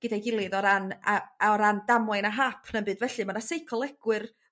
gyda'i gilydd o ran a a o ran damwain a hap na na'm byd felly ma' 'na seicolegwyr